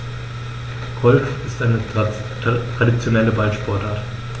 Golf ist eine traditionelle Ballsportart.